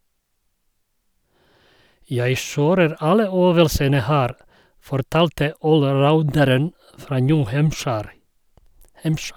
- Jeg kjører alle øvelsene her, fortalte allrounderen fra New Hampshire.